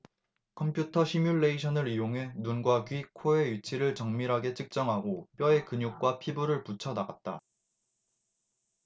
컴퓨터 시뮬레이션을 이용해 눈과 귀 코의 위치를 정밀하게 측정하고 뼈에 근육과 피부를 붙여 나갔다